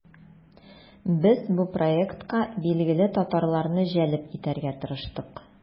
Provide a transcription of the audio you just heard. Без бу проектка билгеле татарларны җәлеп итәргә тырыштык.